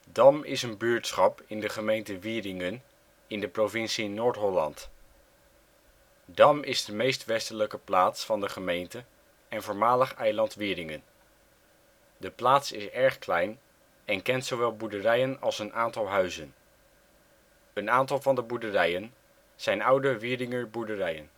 Dam is een buurtschap in de gemeente Wieringen in de provincie Noord-Holland. Dam is de meest westelijke plaats van de gemeente en voormalig eiland Wieringen. De plaats is erg klein en kent zowel boerderijen als een aantal huizen. Een aantal van de boerderijen zijn oude Wieringer boerderijen